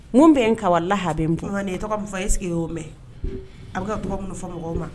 Mun bɛ kawala ha n bɔn tɔgɔ fɔ e sigi o mɛn a bɛ ka tɔgɔ min fɔ mɔgɔw ma